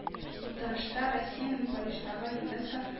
Утырышта Россиянең Париждагы ЮНЕСКО